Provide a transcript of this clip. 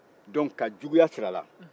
ka juguya siri a la